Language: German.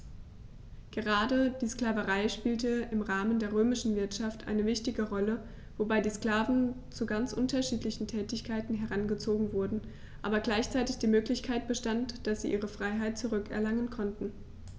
Gerade die Sklaverei spielte im Rahmen der römischen Wirtschaft eine wichtige Rolle, wobei die Sklaven zu ganz unterschiedlichen Tätigkeiten herangezogen wurden, aber gleichzeitig die Möglichkeit bestand, dass sie ihre Freiheit zurück erlangen konnten.